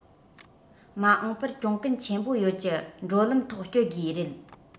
མ འོངས པར གྱོང གུན ཆེན པོ ཡོད ཀྱི འགྲོ ལམ ཐོག སྐྱོད དགོས རེད